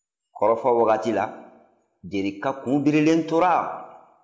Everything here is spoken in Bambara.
kɔrɔfɔ wagati la jerika kun birilen tora